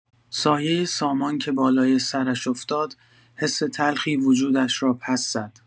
سایۀ سامان که بالای سرش افتاد، حس تلخی وجودش را پس زد.